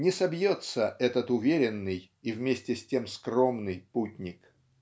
не собьется этот уверенный и вместе с тем скромный путник.